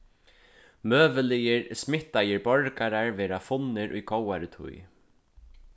møguligir smittaðir borgarar verða funnir í góðari tíð